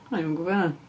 O'n i'm yn gwybod hwnna.